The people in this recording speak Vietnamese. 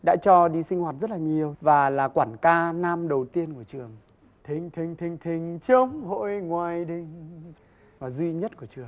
đã cho đi sinh hoạt rất là nhiều và là quản ca nam đầu tiên của trường thình thình thình thình trống hội ngoài đình duy nhất của trường